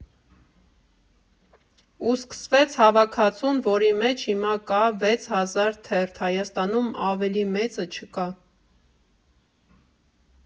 Ու սկսվեց հավաքածուն, որի մեջ հիմա կա վեց հազար թերթ՝ Հայաստանում ավելի մեծը չկա։